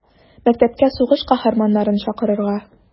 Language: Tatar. Мәктәпкә сугыш каһарманнарын чакырырга.